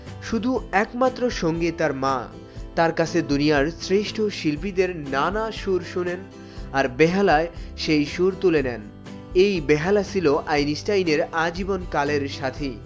শুধু একমাত্র সঙ্গী তার মা তার কাছে দুনিয়ার শ্রেষ্ঠ শিল্পীদের না না সুরঃ শোনেন আর বেহালায় সেই সুর তুলে নেয় এই বেহালা ছিল আইনস্টাইনের আজীবনকাল এর সাথী